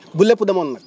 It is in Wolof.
bu lépp demoon nag